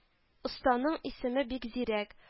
Останың исеме — Бикзирәк